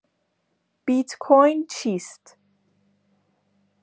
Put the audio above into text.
بیت‌کوین چیست؟